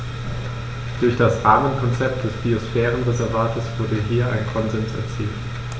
Durch das Rahmenkonzept des Biosphärenreservates wurde hier ein Konsens erzielt.